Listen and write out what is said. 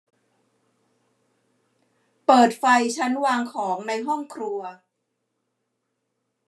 เปิดไฟชั้นวางของในห้องครัว